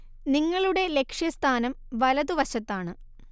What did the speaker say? നിങ്ങളുടെ ലക്ഷ്യസ്ഥാനം വലതുവശത്താണ്